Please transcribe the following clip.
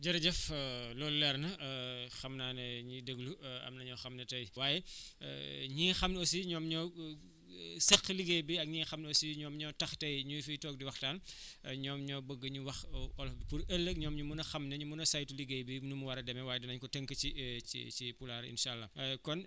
jërëjëf loolu leer na xam naa ne ñiy déglu am na ñoo xam ne tey waaye ñi nga xam ne aussi ñoom ñoo seq liggéey bi ak ñi nga xam ne si ñoom ñoo tax tey ñu fiy toog di waxtaan ñoom ñoo bëgg ñu wax olof bi pour ëllëg énoom ñu mun a xam nañu mun a saytu liggéey bi nu mu war a demee waaye dinañ ko tënk si ci pulaar incha allah kon